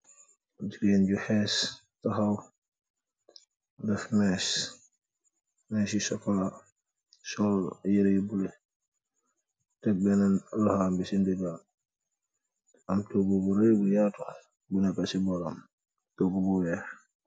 Jigeen ju hess taxaw deff mess messi chocola sool yereh yu bulo tag benen loxom bi si ndegam bi aam toogu bu reey bu yatou bu neka si boram toogu bu weex.